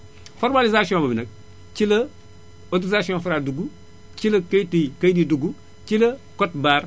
formalisation boobu nag ci la autorisation Fra dugg ci la kayit yi kayit yi dugg ci la code barre